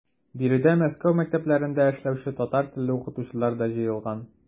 Биредә Мәскәү мәктәпләрендә эшләүче татар телле укытучылар да җыелган.